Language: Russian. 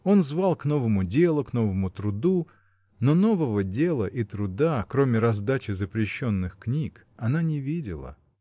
Он звал к новому делу, к новому труду, но нового дела и труда, кроме раздачи запрещенных книг, она не видела.